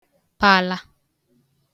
pàlà